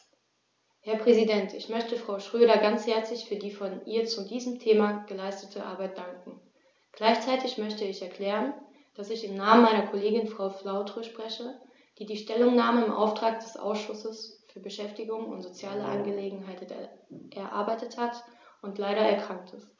Herr Präsident, ich möchte Frau Schroedter ganz herzlich für die von ihr zu diesem Thema geleistete Arbeit danken. Gleichzeitig möchte ich erklären, dass ich im Namen meiner Kollegin Frau Flautre spreche, die die Stellungnahme im Auftrag des Ausschusses für Beschäftigung und soziale Angelegenheiten erarbeitet hat und leider erkrankt ist.